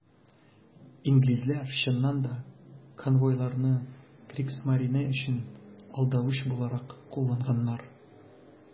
Инглизләр, чыннан да, конвойларны Кригсмарине өчен алдавыч буларак кулланганнар.